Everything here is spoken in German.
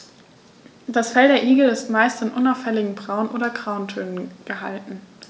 Das Fell der Igel ist meist in unauffälligen Braun- oder Grautönen gehalten.